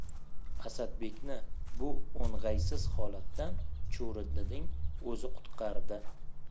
asadbekni bu o'ng'aysiz holatdan chuvrindining o'zi qutqardi